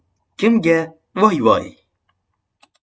kimga voy voy